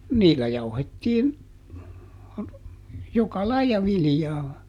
niillä jauhettiin joka lajia viljaa